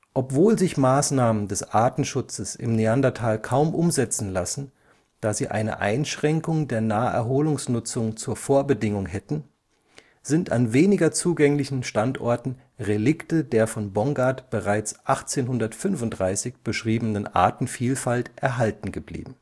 Obwohl sich Maßnahmen des Artenschutzes im Neandertal kaum umsetzen lassen, da sie eine Einschränkung der Naherholungsnutzung zur Vorbedingung hätten, sind an weniger zugänglichen Standorten Relikte der von Bongard bereits 1835 beschriebenen Artenvielfalt erhalten geblieben